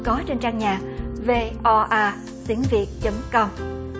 có trên trang nhà vê o a tiếng việt chấm com